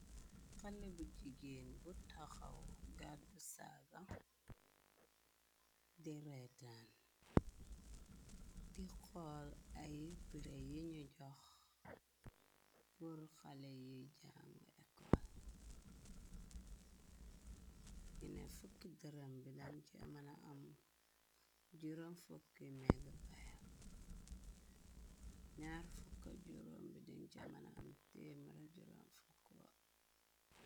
Xale bu jigeen bu taxaw gàddu saaga di reetaan di xool ay pire yi ñu jox pur xale yiy jang ecol giné 1ukk dëram bi dan ci amana am 50 megg bay 25bi da ci mana am 150.